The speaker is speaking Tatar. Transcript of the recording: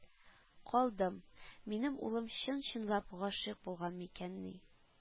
Калдым: минем улым чын-чынлап гашыйк булган микәнни